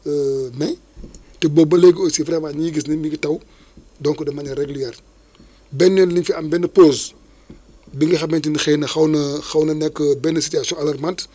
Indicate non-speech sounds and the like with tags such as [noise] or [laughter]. [hesitation] mai te boobu ba léegi aussi vraiment énu ngi gis ne mi ngi taw donc de manière régulière benn yoon la ñu fi am benn pause bi nga xamante ne ni xëy na xaw na xaw na nekk benn situation alarmante